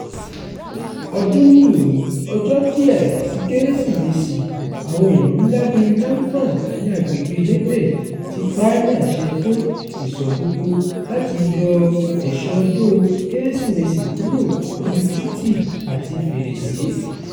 Ọdún nìín, ọjọ́ díẹ̀ sí Kérésìmesì, ìjọba ní àwọn ìlú ńlá bíi Langfang, ní agbègbèe Hebei, ti pa á ní àṣẹ fún ìsọ̀ gbogbo láti yọ ẹ̀ṣọ́ ọdún Kérésìmesì kúrò lójú títí àti fèrèsé.